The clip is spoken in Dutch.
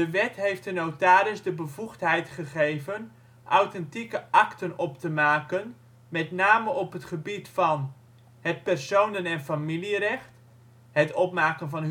wet heeft de notaris de bevoegdheid gegeven authentieke akten op te maken, met name op het gebied van: het personen - en familierecht (het opmaken van